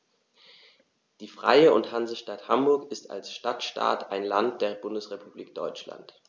Die Freie und Hansestadt Hamburg ist als Stadtstaat ein Land der Bundesrepublik Deutschland.